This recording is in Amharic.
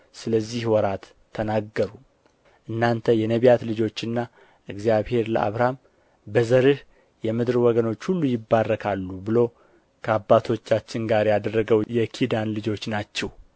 ስለዚህ ወራት ተናገሩ እናንተ የነቢያት ልጆችና እግዚአብሔር ለአብርሃም በዘርህ የምድር ወገኖች ሁሉ ይባረካሉ ብሎ ከአባቶቻችን ጋር ያደረገው የኪዳን ልጆች ናችሁ